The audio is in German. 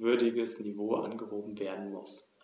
Transparenz hingewiesen.